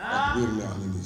' don